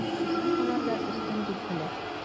Үзен алардан өстен дип белә.